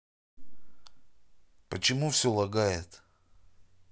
почему все лагает